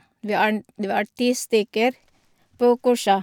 vi er n Det var ti stykker på kurset.